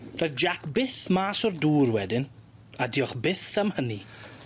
Roedd Jack byth mas o'r dŵr wedyn, a diolch byth am hynny.